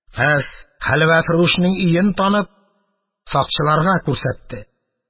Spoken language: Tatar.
Кыз, хәлвәфрүшнең өен танып, сакчыларга күрсәтте.